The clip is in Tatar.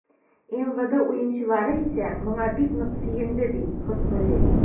МВД уенчылары исә, моңа бик нык сөенде, ди Хөснуллин.